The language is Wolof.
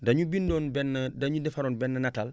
dañu bindoon benn dañu defaroon benn nataal